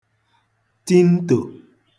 ti ntò